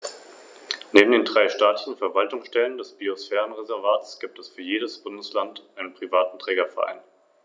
An erster Stelle steht dabei der Gedanke eines umfassenden Naturschutzes.